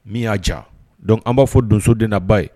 Min y'a diya dɔn an b'a fɔ donso denba ye